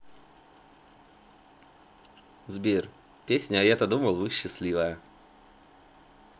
сбер песня а я то думал вы счастливая